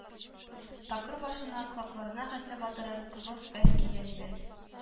Такыр башына, колакларына хәтле батырып, кызыл фәс кигән иде